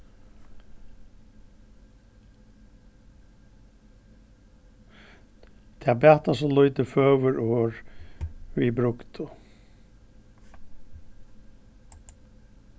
tað bata so lítið føgur orð við brugdu